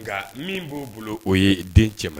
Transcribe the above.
Nka, min b'o bolo o ye den cɛman